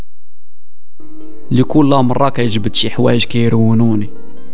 لكل امراه يجب تصيح ويش كيرونه